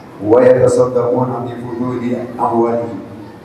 incoprehensible